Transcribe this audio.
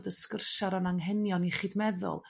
bod y sgwrs am yr anghenion iechyd meddwl